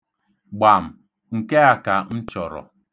Gbam! Nke a ka m chọrọ!